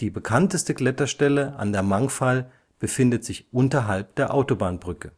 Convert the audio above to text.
bekannteste Kletterstelle an der Mangfall befindet sich unterhalb der Autobahnbrücke